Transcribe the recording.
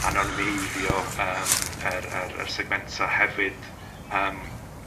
anonymeiddio yym yr yr yr segmenta hefyd, yym,